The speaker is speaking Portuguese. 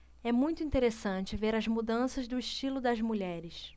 é muito interessante ver as mudanças do estilo das mulheres